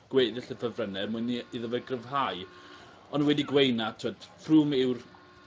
gweddill y ffefrynne er mwyn i e iddo fe gryfhau. On' wedi gweud 'na t'wod Froome yw'r